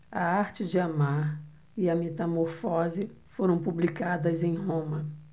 a arte de amar e a metamorfose foram publicadas em roma